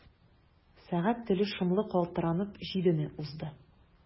Сәгать теле шомлы калтыранып җидене узды.